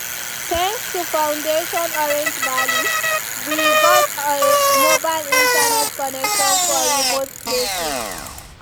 Thanks to Fondation Orange Mali, we got a mobile Internet connection for remote places.